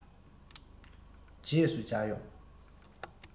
རྗེས སུ མཇལ ཡོང